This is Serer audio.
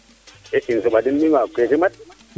timisa fad im leya dene keke mat